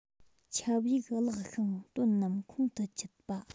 ཆབ ཡིག བཀླགས ཤིང དོན རྣམས ཁོང དུ ཆུད པ